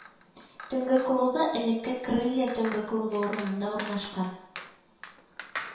Төнге клубы элекке крылья төнге клубы урынында урнашкан